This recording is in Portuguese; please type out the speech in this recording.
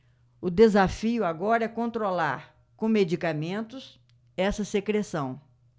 o desafio agora é controlar com medicamentos essa secreção